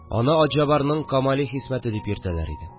Аны Атҗабарның Камали Хисмәте дип йөртәләр иде